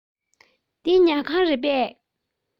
འདི ཉལ ཁང རེད པས